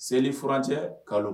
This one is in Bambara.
Seliuranjɛ kalo